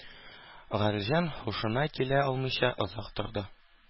Гаделҗан һушына килә алмыйча озак торды